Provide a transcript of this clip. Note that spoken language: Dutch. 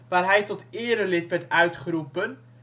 waar hij tot erelid werd uitgeroepen